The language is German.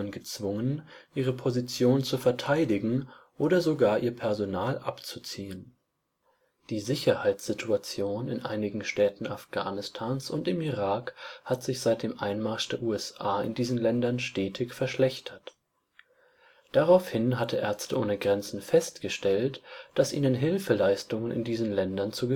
gezwungen, ihre Position zu verteidigen oder sogar ihr Personal abzuziehen. Die Sicherheitssituation in einigen Städten Afghanistans und im Irak hat sich seit dem Einmarsch der USA in diesen Ländern stetig verschlechtert. Daraufhin hatte Ärzte ohne Grenzen für sich festgestellt, dass ihnen Hilfeleistungen in diesen Ländern zu gefährlich